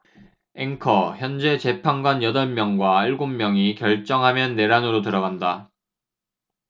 앵커 헌재 재판관 여덟 명 일곱 명이 결정하면 내란으로 들어간다